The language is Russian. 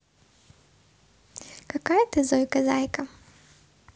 какая ты зойка зайка